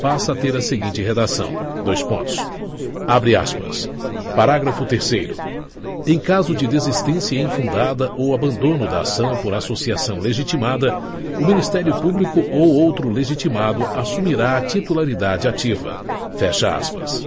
passa a ter a seguinte redação dois pontos abre aspas parágrafo terceiro em caso de desistência infundada ou abandono da ação por associação legitimada o ministério público ou outro legitimado assumirá a titularidade ativa fecha aspas